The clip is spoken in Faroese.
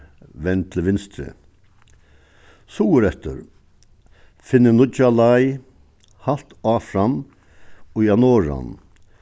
vend til vinstru suðureftir finni nýggja leið halt áfram í ein norðan